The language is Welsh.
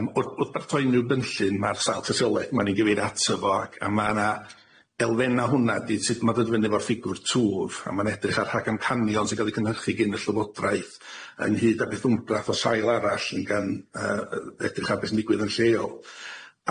Yym wrth wrth baratoi unryw gynllun ma'r ssail tystiolaeth ma o'n i'n gyfeirio ato fo ac a ma' 'na elfenna hwnna di sut ma' dod fyny efo'r ffigwr twf a ma'n edrych ar rhagamcanion sy'n ca'l ei cynhyrchu gin y llywodraeth ynghyd â beth wmbrath o sail arall yn gan yy yy edrych ar be sy'n digwydd yn lleol.